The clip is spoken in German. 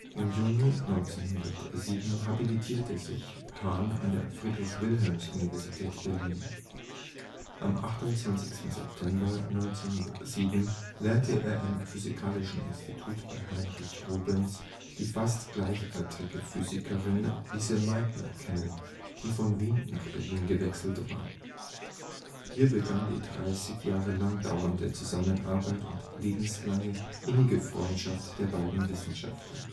Im Juni 1907 habilitierte sich Hahn an der Friedrich-Wilhelms-Universität Berlin. Am 28. September 1907 lernte er im Physikalischen Institut bei Heinrich Rubens die fast gleichaltrige Physikerin Lise Meitner kennen, die von Wien nach Berlin gewechselt war. Hier begann die 30 Jahre lang dauernde Zusammenarbeit und lebenslange innige Freundschaft der beiden Wissenschaftler